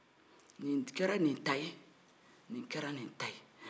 nin kɛra nin ta ye nin kɛra nin ta ye